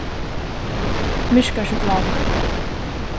myrka sjokulátu